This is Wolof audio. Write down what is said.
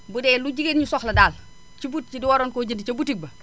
bu dee lu jigéen ñi soxla daal ci bou ci waroon koo jënd ca boutique ba